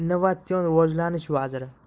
innovatsion rivojlanish vaziri